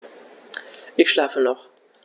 Ich schlafe noch.